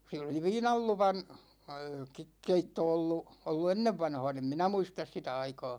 siellä oli viinan luvan - keitto ollut ollut ennenvanhaan en minä muista sitä aikaa